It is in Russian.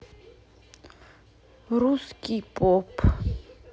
русский поп